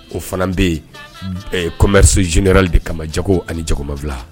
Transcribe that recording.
O fana bɛ yen ɛɛ kɔnmriso zyera de kama jago ani jamaf